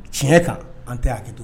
Tiɲɛ kan an tɛ' hakɛki to